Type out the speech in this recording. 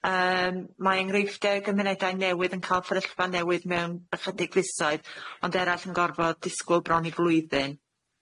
Yym mae enghreifftie gymunedau newydd yn ca'l fferyllfa newydd mewn ychydig fisoedd ond erall yn gorfod disgwyl bron i flwyddyn.